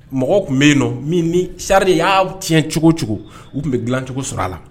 Mɔgɔ tun bɛ yen nɔ ni sari de y'aw ti cogo cogo u tun bɛ dilancogo sɔrɔ a la